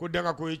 Ko da ko